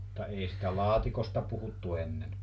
mutta ei sitä laatikosta puhuttu ennen